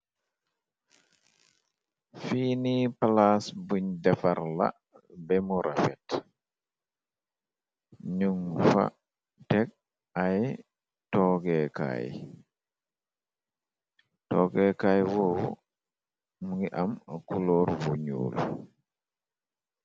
Fiini palaas buñ defar la bemu rafet nyung fa teg ay toogeekaay, toggeekaay woowu mu ngi am kulóor bu ñuul.